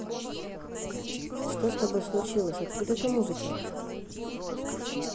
что с тобой случилось откуда эта музыка